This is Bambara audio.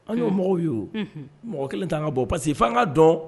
An ye mɔgɔw? unhun, ye mɔgɔ kelen tan ka bɔ parce que f'an ka dɔn